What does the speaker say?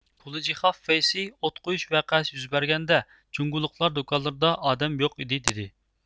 كۇلۇجىخاف فېيسىي ئوت قويۇش ۋەقەسى يۈز بەرگەندە جۇڭگولۇقلار دۇكانلىرىدا ئادەم يوق ئىدى دېدى